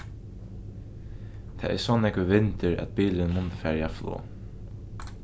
tað er so nógvur vindur at bilurin mundi farið á flog